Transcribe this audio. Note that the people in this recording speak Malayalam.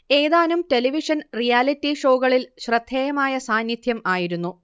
ഏതാനും ടെലിവിഷൻ റിയാലിറ്റി ഷോകളിൽ ശ്രദ്ധേയമായ സാന്നിദ്ധ്യം ആയിരുന്നു